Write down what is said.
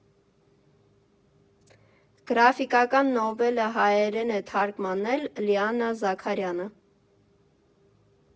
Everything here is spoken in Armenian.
Գրաֆիկական նովելը հայերեն է թարգմանել Լիանա Զաքարյանը։